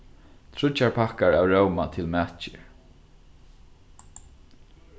tríggjar pakkar av róma til matgerð